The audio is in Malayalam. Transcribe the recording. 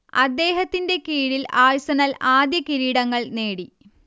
അദ്ദേഹത്തിന്റെ കീഴിൽ ആഴ്സണൽ ആദ്യ കിരീടങ്ങൾ നേടി